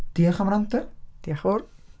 Diolch am wrando... Diolch yn fawr.